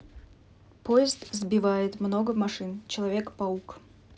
поезд сбивает много машин человек паук